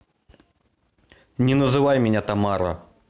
не называй меня тамара